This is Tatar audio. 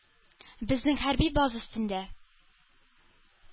– безнең хәрби база өстендә.